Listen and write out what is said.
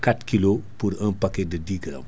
4 kilos pour un paquet de 10 grammes